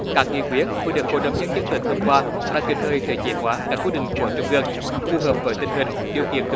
các nghị quyết vừa được hội đồng nhân dân tỉnh thông qua đã kịp thời thể chế hóa các quy định của trung ương phù hợp với tình hình điều kiện